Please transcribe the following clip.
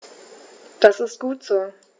Das ist gut so.